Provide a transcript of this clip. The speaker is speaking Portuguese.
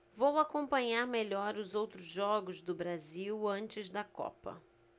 vou acompanhar melhor os outros jogos do brasil antes da copa